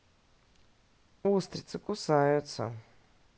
устрицы кусаются